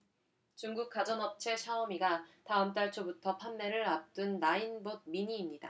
중국 가전업체 샤오미가 다음 달 초부터 판매를 앞둔 나인봇 미니입니다